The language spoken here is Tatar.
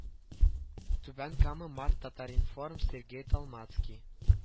Түбән кама март татар информ сергей толмацкий